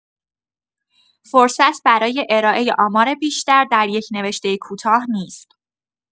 فرصت برای ارائۀ آمار بیشتر در یک نوشتۀ کوتاه نیست.